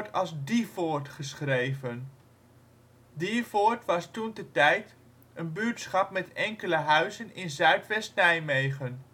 als Dievoort geschreven. Diervoort was toentertijd een gehucht met enkele huizen in zuidoost-Nijmegen